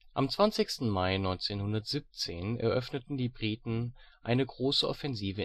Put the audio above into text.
Am 20. Mai 1917 eröffneten die Briten eine große Offensive